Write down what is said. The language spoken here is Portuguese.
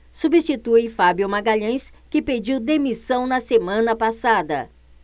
substitui fábio magalhães que pediu demissão na semana passada